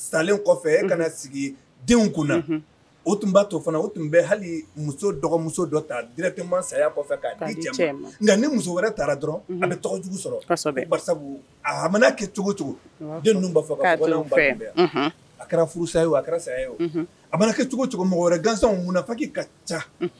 Salen kɔfɛ ka sigi denw kunna o tun b'a to fana o tun bɛ hali muso dɔgɔmuso dɔ ta dkima saya kɔfɛ' ja nka ni muso wɛrɛ taara dɔrɔn a bɛ tɔgɔjugu sɔrɔ basa a kɛ cogocogo den b'a fɔ ka bɔ tunbɛn yan a kɛra furusa o a kɛra saya o a kɛ cogocogo mɔgɔ wɛrɛ gansan kunna paki ka ca